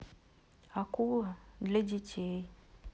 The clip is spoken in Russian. акула для детей